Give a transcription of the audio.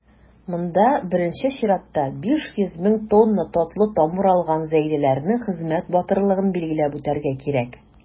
Монда, беренче чиратта, 500 мең тонна татлы тамыр алган зәйлеләрнең хезмәт батырлыгын билгеләп үтәргә кирәк.